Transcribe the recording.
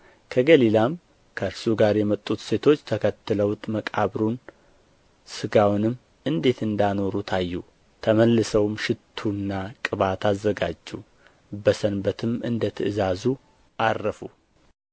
ከገሊላም ከእርሱ ጋር የመጡት ሴቶች ተከትለው መቃብሩን ሥጋውንም እንዴት እንዳኖሩት አዩ ተመልሰውም ሽቱና ቅባት አዘጋጁ በሰንበትም እንደ ትእዛዙ ዐረፉ